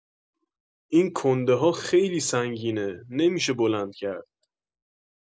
این کنده‌ها خیلی سنگینه نمی‌شه بلند کرد